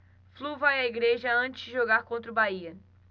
flu vai à igreja antes de jogar contra o bahia